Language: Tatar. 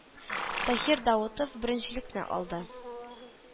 Таһир Даутов беренчелекне алды.